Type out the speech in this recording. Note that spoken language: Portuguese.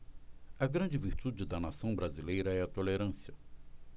a grande virtude da nação brasileira é a tolerância